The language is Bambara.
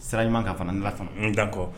Sira ɲuman kan fana n lasɔnna, d'accord